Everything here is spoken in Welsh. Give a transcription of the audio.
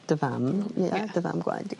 ...dy fam. Ie. Dy fam gwaed di.